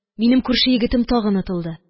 Минем күрше егетем тагы онытылды